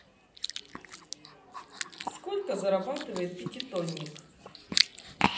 сколько зарабатывает пятитонник